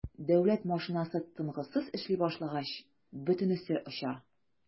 Дәүләт машинасы тынгысыз эшли башлагач - бөтенесе оча.